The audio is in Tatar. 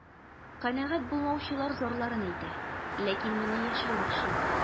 Канәгать булмаучылар зарларын әйтә, ләкин моны яшерен эшли.